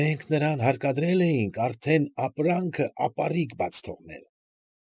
Մենք նրան հարկադրել էինք արդեն ապրանքը ապառիկ բաց թողնել։